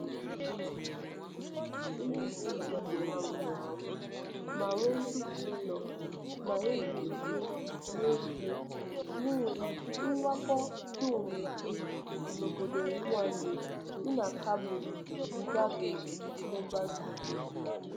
Ndị lanarịrịnụ bụ ndị ikwu na ibe ha nwụrụ anwụ ma nwe ntufu ụlọ na-ezuike n'ezi n'ihi mwakpo Juun 5 n'obodo Naunde dị na Cabo Delgado, Mozambique.